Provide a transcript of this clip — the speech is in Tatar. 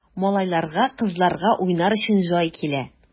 Малайларга, кызларга уйнар өчен җай килә!